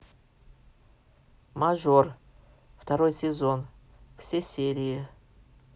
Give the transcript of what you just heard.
мажор второй сезон все серии